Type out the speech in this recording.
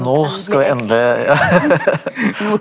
nå skal vi endelig ja .